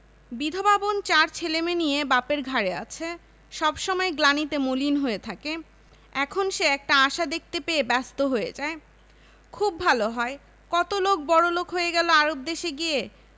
বিধবা বোন চার ছেলেমেয়ে নিয়ে বাপের ঘাড়ে আছে সব সময় গ্লানিতে মলিন হয়ে থাকে এখন সে একটা আশা দেখতে পেয়ে ব্যস্ত হয়ে যায় খুব ভালো হয় কত লোক বড়লোক হয়ে গেল আরব দেশে গিয়ে